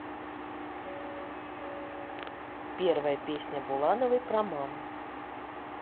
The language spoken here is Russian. первая песня булановой про маму